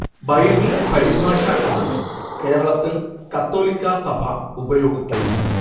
Bible പരിഭാഷ ആണ് കേരളത്തിൽ കത്തോലിക്കാ സഭ ഉപയോഗിക്കുന്നത്